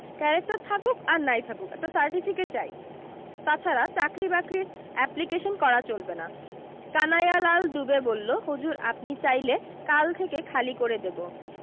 character থাকুক আর নাই থাকুক একটা সার্টিফিকেট চাইি তাছাড়া চাকরী বাকরির অ্যাপ্লিকেশন করা চলবে না কানাইয়ালাল দুবে বললো হুজুর আপনি চাইলে কাল থেকে খালি করে দেবো